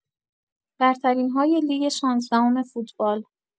برترین‌های لیگ شانزدهم فوتبال